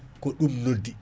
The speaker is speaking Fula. ko ɗum noddi